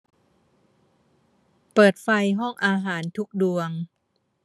เปิดไฟห้องอาหารทุกดวง